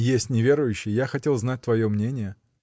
— Есть неверующие: я хотел знать твое мнение.